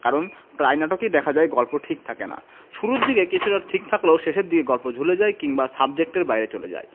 কারণ প্রায় নাটকেই দেখা যায় গল্প ঠিক থাকে না শুরুর দিকে কিছুটা ঠিক থাকলেও শেষের দিকে গল্প ঝুলে যায় কিংবা সাবজেক্টের বাইরে চলে যায়